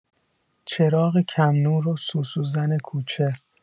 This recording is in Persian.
چراغ کم‌نور و سوسوزن کوچه